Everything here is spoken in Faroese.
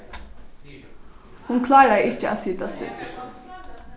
hon kláraði ikki at sita still